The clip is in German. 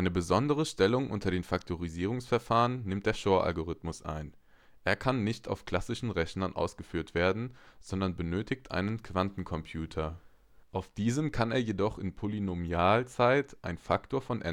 besondere Stellung unter den Faktorisierungsverfahren nimmt der Shor-Algorithmus ein. Er kann nicht auf klassischen Rechnern ausgeführt werden, sondern benötigt einen Quantencomputer. Auf diesem kann er jedoch in Polynomialzeit einen Faktor von